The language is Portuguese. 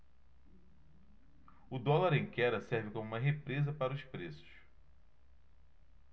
o dólar em queda serve como uma represa para os preços